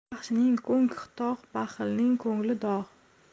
yaxshining ko'ngh tog' baxilning ko'ngli dog'